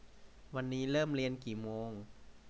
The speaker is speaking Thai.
วันนี้เริ่มเรียนกี่โมง